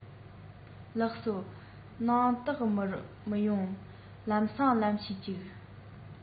ལགས སོ སྣང དག མི ཡོང ལམ སེང ལན ཞུས ཆོག